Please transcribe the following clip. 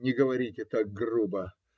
Не говорите так грубо.